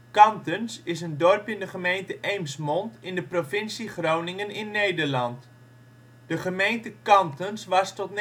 Kannes) is een dorp in de gemeente Eemsmond in de provincie Groningen in Nederland. De gemeente Kantens was tot